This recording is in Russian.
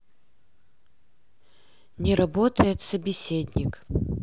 не работает собеседник